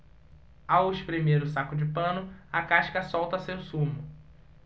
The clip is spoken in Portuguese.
ao espremer o saco de pano a casca solta seu sumo